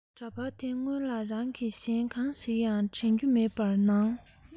འདྲ པར དེ སྔོན ལ རང གི གཞན གང ཞིག ཡང དྲན རྒྱུ མེད པར ནང